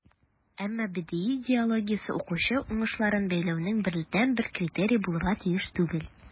Әмма БДИ идеологиясе укучы уңышларын бәяләүнең бердәнбер критерие булырга тиеш түгел.